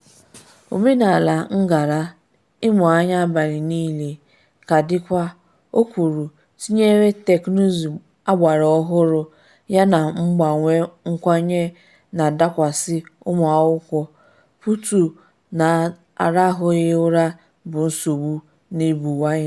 Omenala ngala ‘ịmụ anya abalị niile’ ka dịkwa, o kwuru, tinyere teknụzụ agbara ọhụrụ yana mbawanye nkwanye na-adakwasa ụmụ akwụkwọ, pụtara na arahụghị ụra bụ nsogbu n’ebuwaye.